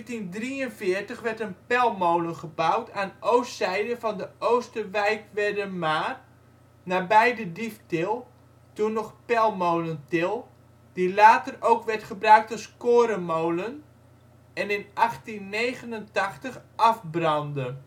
In 1743 werd een pelmolen gebouwd aan oostzijde van de Oosterwijtwerdermaar, nabij de Dieftil (toen nog Pelmolentil), die later ook werd gebruikt als korenmolen en in 1889 afbrandde